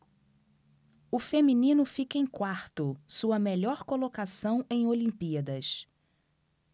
o feminino fica em quarto sua melhor colocação em olimpíadas